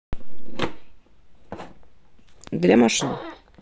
для машин